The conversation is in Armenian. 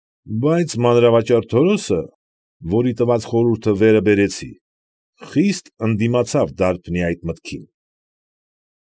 Բայց մանրավաճառ Թորոսը, որի տված խորհուրդը վերը բերեցի, խիստ ընդդիմացավ դարբնի այդ մտքին։